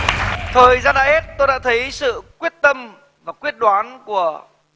thời gian đã hết tôi đã thấy sự quyết tâm và quyết đoán của